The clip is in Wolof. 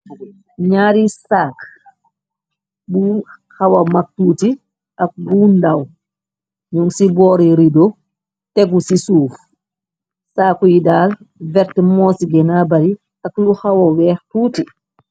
Naari sak bu xawa mak tuuti ak bu ndaw ñing ci bóri rido, tegu ci suuf. Saakuy daal verte mosi gina bari ak lu xawa weex tuuti.